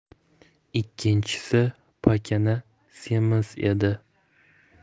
ikkinchisi pakana semiz edi